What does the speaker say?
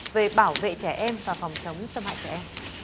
về bảo vệ trẻ em và phòng chống xâm hại trẻ em